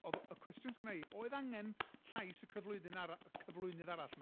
oedd y cwestiwn sy gynna i, oedd angen llais y cyflwyfyn- ara- cyflwynydd arall 'ma?